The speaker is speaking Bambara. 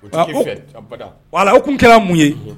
U taa wala u tun kɛra mun ye